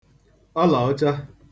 ọlà ọcha